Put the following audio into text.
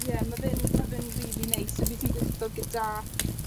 Ie ma' fe'n ma' fe'n rili neis. So fues i'n gweitho gyda